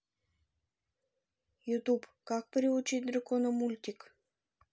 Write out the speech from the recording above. ютуб как приручить дракона мультик